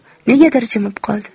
negadir jimib qoldi